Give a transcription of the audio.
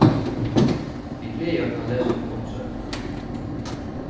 vit gleða okkum at lesa tína umsókn